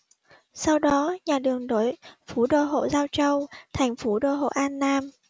sau đó nhà đường đổi phủ đô hộ giao châu thành phủ đô hộ an nam